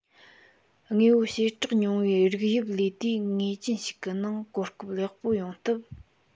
དངོས པོའི བྱེ བྲག ཉུང བའི རིགས དབྱིབས ལས དུས ངེས ཅན ཞིག གི ནང གོ སྐབས ལེགས པོ ཡོད སྟབས